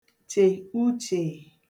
chè uchè